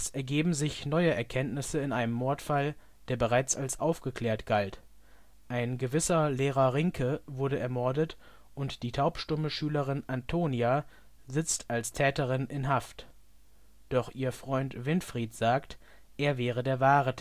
ergeben sich neue Erkenntnisse in einem Mordfall, der bereits als aufgeklärt galt. Ein gewisser Lehrer Rinke wurde ermordet und die taubstumme Schülerin Antonia sitzt als Täterin in Haft, doch ihr Freund Winfried sagt, er wäre der wahre